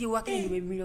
Bɛ